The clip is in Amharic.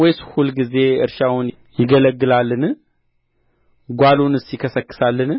ወይስ ሁልጊዜ እርሻውን ይገለግላልን ጓሉንስ ይከሰክሳልን